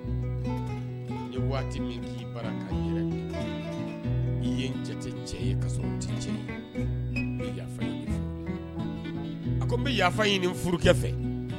I ye waati min k'i b'a la ka yɛlɛ, i ye n jate cɛ ye ka sɔrɔ n tɛ cɛ ye. Ye yafa ɲin'i fɛ. A ko n bɛ yafa ɲini furucɛ fɛ